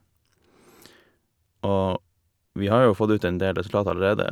Og vi har jo fått ut en del resultater allerede.